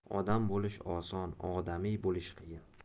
odam bo'lish oson odamiy bo'lish qiyin